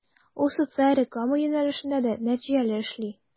Ул социаль реклама юнәлешендә дә нәтиҗәле эшли.